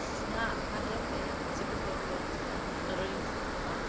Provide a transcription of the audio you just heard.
Na, a hefyd, ti'n gwybod bod, yym, yr Wyddfa...